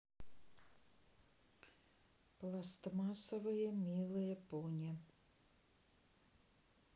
пластмассовые милые пони